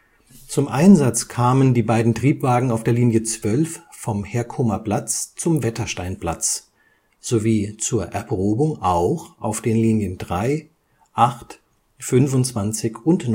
Zum Einsatz kamen die beiden Triebwagen auf der Linie 12 vom Herkomerplatz zum Wettersteinplatz sowie zur Erprobung auch auf den Linien 3, 8, 25 und